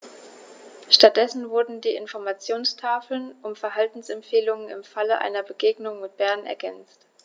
Stattdessen wurden die Informationstafeln um Verhaltensempfehlungen im Falle einer Begegnung mit dem Bären ergänzt.